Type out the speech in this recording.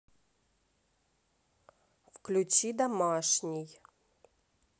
включи домашний